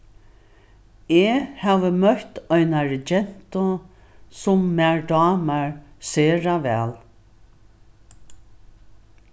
eg havi møtt einari gentu sum mær dámar sera væl